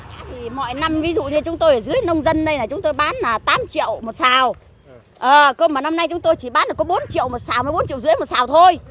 mọi năm ví dụ như chúng tôi ở dưới nông dân đây là chúng tôi bán là tám triệu một sào năm nay chúng tôi chỉ bán được có bốn triệu một sào với bốn triệu rưỡi một sào thôi